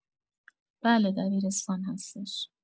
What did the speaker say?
بله دبیرستان هستش